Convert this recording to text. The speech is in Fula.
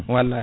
wallay